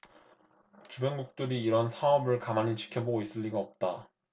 주변국들이 이런 사업을 가만히 지켜보고 있을 리가 없다